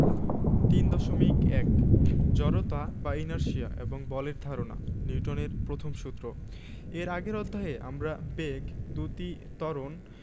3.1 জড়তা বা ইনারশিয়া এবং বলের ধারণা নিউটনের প্রথম সূত্র এর আগের অধ্যায়ে আমরা বেগ দ্রুতি ত্বরণ